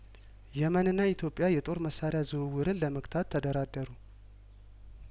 የመንና ኢትዮጵያ የጦር መሳሪያ ዝውውርን ለመግታት ተደራደሩ